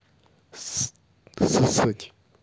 сосать